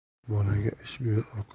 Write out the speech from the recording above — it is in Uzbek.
bolaga ish buyur